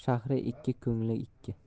shahri ikki ko'ngli ikki